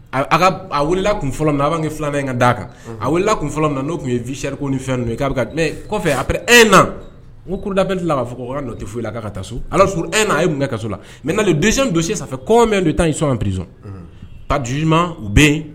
A wulila kun fɔlɔ a b'an kɛ fila in ka d'a kan a wulila tun fɔlɔ na n'o tun ye vsɛriku ni fɛn'a tɛmɛ kɔfɛ a e nada bɛti tila b'a fɔ nɔ tɛ' la k' ka taa so ala s e na a ye kun kaso la mɛ na de donsi sanfɛ kɔmɛ don taa sɔn priz pajma bɛ